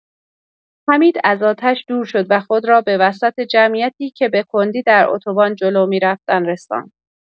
حمید از آتش دور شد و خود را به وسط جمعیتی که به کندی در اتوبان جلو می‌رفتند، رساند.